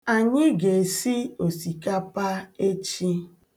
Anyi ga-esi osikapa echi.